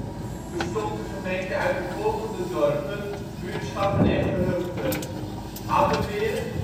gemeente uit de volgende dorpen, buurtschappen en gehuchten: Abbeweer